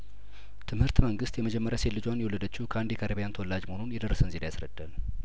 ትምህርት መንግስት የመጀመሪያሴት ልጇን የወለደችው ከአንድ የካሪቢያን ተወላጅ መሆኑን የደረሰን ዜና ያስረዳል